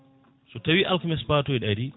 so tawi alakamisa patoyɗo ari